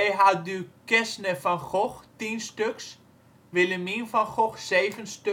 E.H. Du Quesne-van Gogh tien stuks, Willemien van Gogh zeven